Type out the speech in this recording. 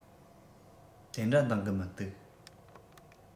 དེ འདྲ འདང གི མི འདུག